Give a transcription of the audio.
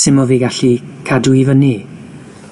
Simo fi gallu cadw i fyny.